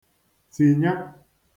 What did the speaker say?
tìnya